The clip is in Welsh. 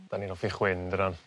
'Dan ni'n offi chwyn dydan?